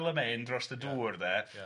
dros y dŵr de ia.